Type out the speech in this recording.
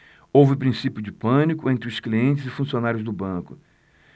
houve princípio de pânico entre os clientes e funcionários do banco